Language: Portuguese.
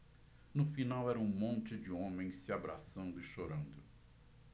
no final era um monte de homens se abraçando e chorando